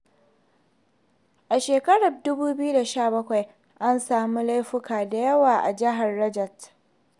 A shekarar 2017 an samu laifuka da yawa a jihar Rajasthan.